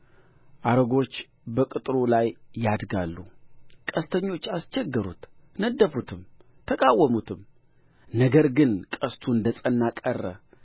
አረጎቹ በቅጥር ላይ ያድጋሉ ቀስተኞች አስቸገሩት ነደፉትም ተቃወሙትም ነገር ግን ቀስቱ እንደ ጸና ቀረ